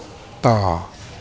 ต่อ